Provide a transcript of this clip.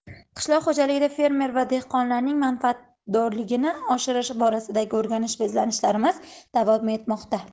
qishloq xo'jaligida fermer va dehqonlarning manfaatdorligini oshirish borasidagi o'rganish va izlanishlarimiz davom etmoqda